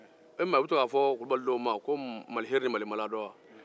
e m'a ye a bɛ to ka fɔ kulubali dɔw ko mari heri ni mari maladɔ wa